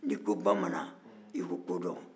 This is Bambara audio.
n'i ko bamanan i ko kodɔn